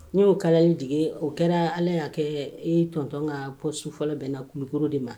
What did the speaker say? o kɛra Ala y'a kɛ n tonton ka poste fɔlɔ bɛn na Kulukoro de ma.